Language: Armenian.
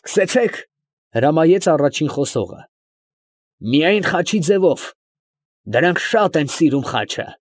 Սկսեցե՛ք, ֊ հրամայեց առաջին խոսողը. ֊ միայն խաչի ձևով, դրանք շատ են սիրում խաչը։